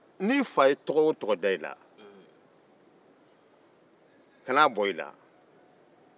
n'i fa ye tɔgɔ o tɔgɔ da i la kan'a bɔ i la